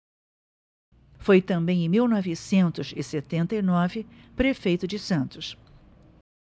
foi também em mil novecentos e setenta e nove prefeito de santos